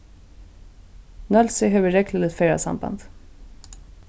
nólsoy hevur regluligt ferðasamband